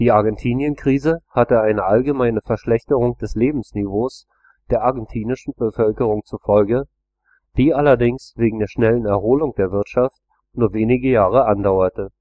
Argentinien-Krise hatte eine allgemeine Verschlechterung des Lebensniveaus der argentinischen Bevölkerung zur Folge, die allerdings wegen der schnellen Erholung der Wirtschaft nur wenige Jahre andauerte